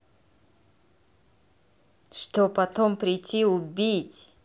что потом прийти убить